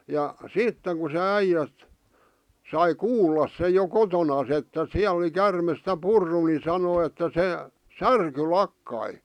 ja sitten kun se äijät sai kuulla sen jo kotonaan että siellä oli käärme sitä purrut niin sanoi että se särky lakkasi